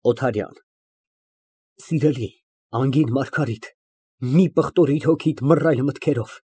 ՕԹԱՐՅԱՆ ֊ Սիրելի, անգին Մարգարիտ, մի պղտորիր հոգիդ մռայլ մտքերով։